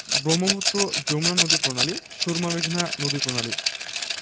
অন্তর্ভুক্ত গঙ্গা পদ্মা নদীপ্রণালী ব্রহ্মপুত্র যমুনা নদীপ্রণালী ও সুরমা মেঘনা নদীপ্রণালী